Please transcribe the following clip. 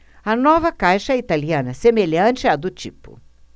a nova caixa é italiana semelhante à do tipo